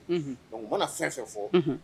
Unhun, u mana fɛn o fɛn fɔ